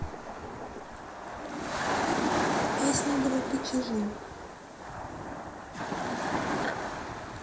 песни группы чижи